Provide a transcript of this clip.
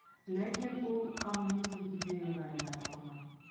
Ләкин ул коммунизм идеяләренә табына.